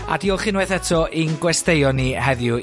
A diolch unwaith eto in gwesteion i heddiw.